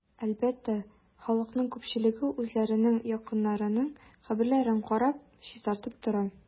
Әлбәттә, халыкның күпчелеге үзләренең якыннарының каберлекләрен карап, чистартып тора.